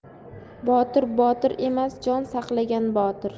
botir botir emas jon saqlagan botir